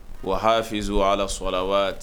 Wa haafisu wa Ala salawaati